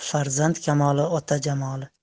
farzand kamoli ota jamoli